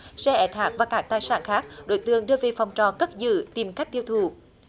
xe ét hát và các tài sản khác đối tượng đưa về phòng trọ cất giữ tìm cách tiêu thụ